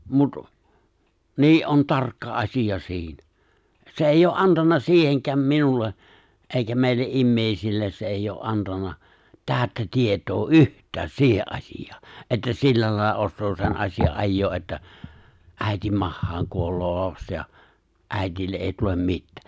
mutta niin on tarkka asia siinä se ei ole antanut siihenkään minulle eikä meille ihmisille se ei ole antanut täyttä tietoa yhtään siihen asiaan että sillä lailla osaa sen asian ajaa että äidin mahaan kuolee lapsi ja äidille ei tule mitään